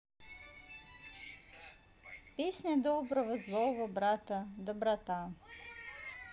песня доброго злого брата доброта